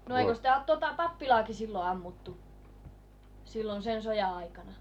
no eikö sitä ole tuota pappilaakin silloin ammuttu silloin sen sodan aikana